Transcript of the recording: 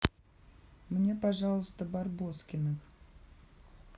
мне пожалуйста барбоскиных